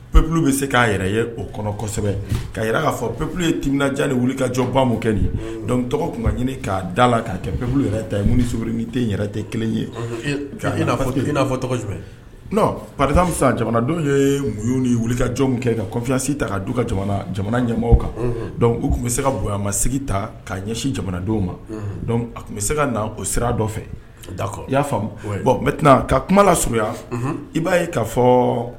Plu bɛ se k'a yɛrɛ o kɔnɔ kosɛbɛ ka ka fɔ peplu ye tija wuli ka jɔ kɛ nin tɔgɔ ɲini ka da la ka kɛlu ta yɛrɛ kelen ye jamanadenw ye muɲ ni wuli ka jɔn kɛ kafiyasi ta ka du ka ɲɛmɔgɔ kan u tun bɛ se ka bonyamasigi ta ka ɲɛsin jamanadenw ma a tun bɛ se ka na o sira dɔ fɛ i y'a mɛ ka kuma la suguya i b'a ye'a fɔ